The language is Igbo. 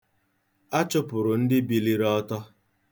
A chụpụrụ ndị biliri ọtọ.